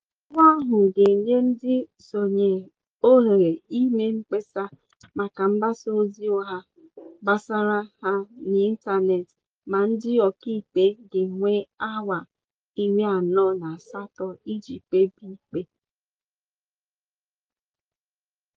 Iwu ahụ ga-enye ndị nsonye ohere ime mkpesa maka mgbasa ozi ụgha gbasara ha n'ịntaneetị ma ndị ọkàikpe ga-enwe awa 48 iji kpebie ikpe.